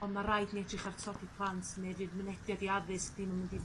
ond ma' raid ni edrych ar tlodi plant ne' fydd mynediad i addysg ddim yn mynd i